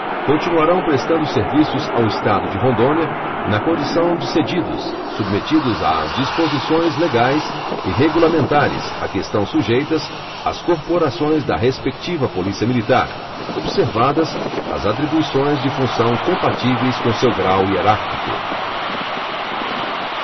continuarão prestando serviços ao estado de rondônia na condição de cedidos submetidos às disposições legais e regulamentares a que estão sujeitas as corporações da respectiva polícia militar observadas as atribuições de função compatíveis com seu grau hierárquico